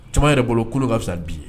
Caman yɛrɛ bolo kolon ka fisa bi ye